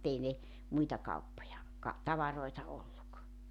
mutta ei ne muita kauppoja ka tavaroita ollut